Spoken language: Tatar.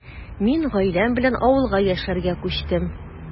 Мин гаиләм белән авылга яшәргә күчтем.